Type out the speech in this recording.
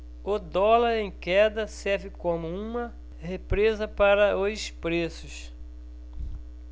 o dólar em queda serve como uma represa para os preços